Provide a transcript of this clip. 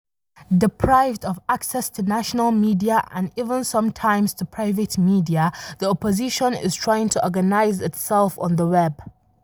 Deprived of access to national media, and even sometimes to private media, the opposition is trying to organize itself on the web.